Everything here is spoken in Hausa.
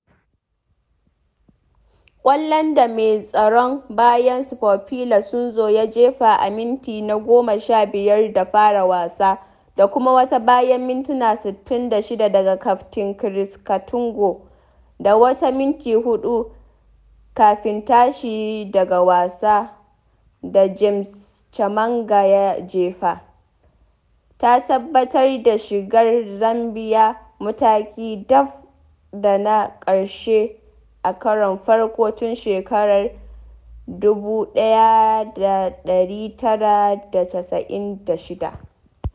Ƙwallon da mai tsaron baya Stopilla Sunzu ya jefa a minti na goma sha biyar da fara wasa, da kuma wata bayan mintuna 66 daga kaftin Chris Katongo, da wata minti huɗu kafin tashi daga wasa da James Chamanga ya jefa, ta tabbatar da shigar Zambiya matakin daf dana ƙarshe a karon farko tun shekarar 1996.